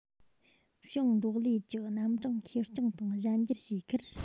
ཞིང འབྲོག ལས ཀྱི རྣམ གྲངས ཁེར རྐྱང དང གཞན འགྱུར བྱས ཁར